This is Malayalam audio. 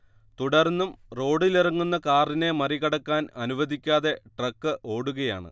തുടർന്നും റോഡിലിറങ്ങുന്ന കാറിനെ മറികടക്കാൻ അനുവദിക്കാതെ ട്രക്ക് ഓടുകയാണ്